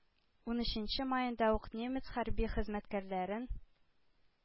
Унөченче маенда ук немец хәрби хезмәткәрләрен